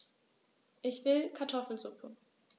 Ich will Kartoffelsuppe.